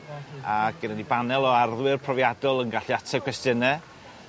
a gyda ni banel o arddwyr profiadol yn gallu ateb cwestiyne